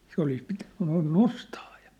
se olisi pitänyt noin nostaa jo